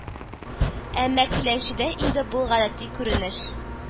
Әмма Кләнчедә инде бу гадәти күренеш